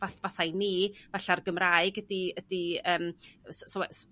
fatha fatha i ni 'fallai'r Gymraeg ydi